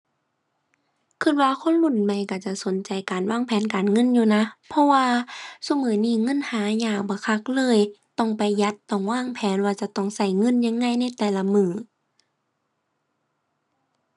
คิดว่าคนรุ่นใหม่คิดจะสนใจการวางแผนการเงินอยู่นะ เพราะว่าซุมื้อนี้เงินหายากบักคักเลย ต้องประหยัด ต้องวางแผนว่าจะต้องคิดเงินยังไงในแต่ละมื้อ